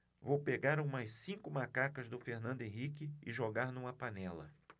vou pegar umas cinco macacas do fernando henrique e jogar numa panela